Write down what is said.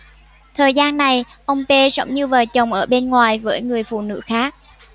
thời gian này ông p sống như vợ chồng ở bên ngoài với người phụ nữ khác